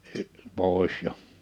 - pois jo